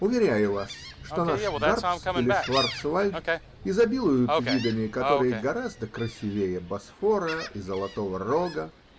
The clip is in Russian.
Уверяю вас, что наш Гарц или Шварцвальд изобилуют видами, которые гораздо красивее Босфора и Золотого Рога.